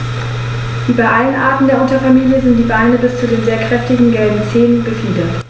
Wie bei allen Arten der Unterfamilie sind die Beine bis zu den sehr kräftigen gelben Zehen befiedert.